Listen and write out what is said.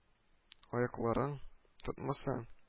Аякларың тотмаса